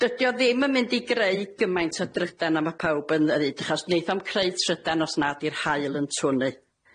Dydi o ddim yn mynd i greu gymaint o drydan a ma' pawb yn ddeud achos neith o'm creu trydan os nad i'r haul yn twynnu.